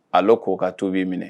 Ala k'o ka tobii minɛ